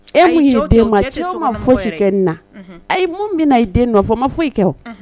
E min den ma foyi kɛ na a bɛna i den dɔ fɔ ma foyi kɛ